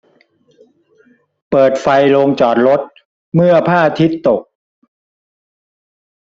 เปิดไฟโรงจอดรถเมื่อพระอาทิตย์ตก